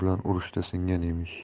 bilan urushda singan emish